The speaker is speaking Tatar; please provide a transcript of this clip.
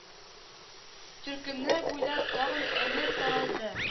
Төркемнәр буйлап тагын әмер таралды